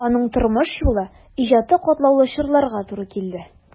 Аның тормыш юлы, иҗаты катлаулы чорларга туры килде.